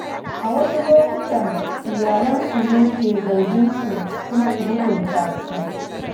A wasu lokutan, iyalansu ne ke zarginsu kuma su hukunta su.